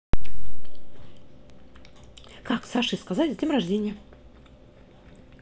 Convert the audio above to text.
как сашей сказать с днем рождения